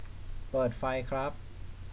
เปิดไฟครับ